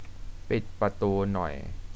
ปิดประตูหน่อย